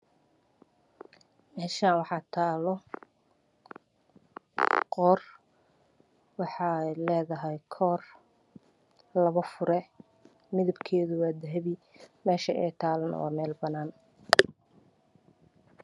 Meshan waxaa talo qoor wexey ledahay koor laba fure midabkeedu waa dahabi meshay talo waa meel banaan